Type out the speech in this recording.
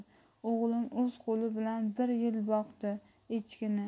o'g'lim o'z qo'li bilan bir yil boqdi echkini